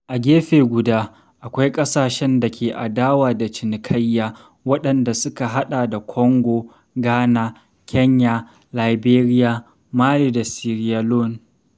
A gefe guda akwai ƙasashen da ke adawa da cinikayya, waɗanda suka haɗa da Kongo, Ghana, Kenya, Liberia, Mali da Sierra Leone.